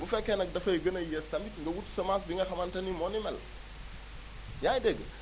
bu fekkee nag dafay gën a yées tamit nga wut semence bi nga xamante ni moo ni mel yaa ngi dégg